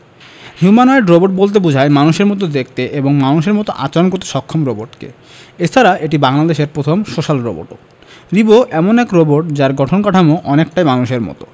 humanoid robot বলতে বোঝায় মানুষের মতো দেখতে এবং মানুষের মতো আচরণ করতে সক্ষম রোবটকে এছাড়া এটি বাংলাদেশের প্রথম সোশ্যাল রোবটও রিবো এমন এক রোবট যার গঠন কাঠামো অনেকটাই মানুষের মতো